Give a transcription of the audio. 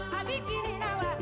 A bɛ di yɛrɛ wa